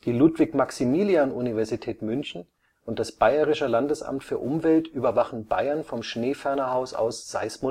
Ludwig-Maximilian-Universität München und das Bayerische Landesamt für Umwelt überwachen Bayern vom Schneefernerhaus aus seismologisch